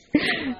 H